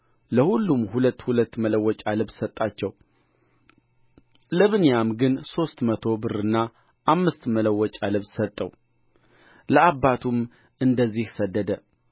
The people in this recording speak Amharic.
ለሁሉም ሁለት ሁለት መለወጫ ልብስ ሰጣቸው ለብንያም ግን ሦስት መቶ ብርና አምስት መለወጫ ልብስ ሰጠው ለአባቱም እንደዚሁ ሰደደ